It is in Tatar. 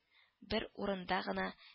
Бер урында гына